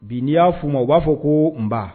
Bi n' y'a f' u ma u b'a fɔ ko nba